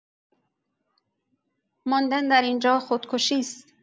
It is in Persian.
ماندن در این‌جا خودکشی است.